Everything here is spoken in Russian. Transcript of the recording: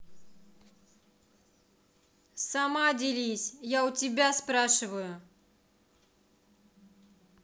сама делись я у тебя спрашиваю